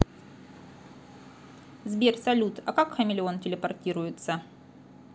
сбер салют а как хамелион телепортируется